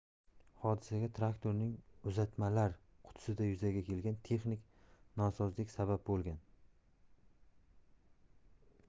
hodisaga traktorning uzatmalar qutisida yuzaga kelgan texnik nosozlik sabab bo'lgan